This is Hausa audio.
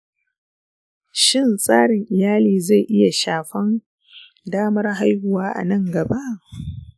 shin tsarin iyali zai iya shafin damar haihuwa a nan gaba?